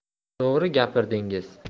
to'g'ri gapirdingiz